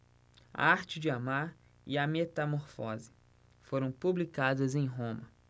a arte de amar e a metamorfose foram publicadas em roma